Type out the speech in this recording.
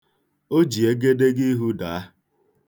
O ji egedegeihu daa.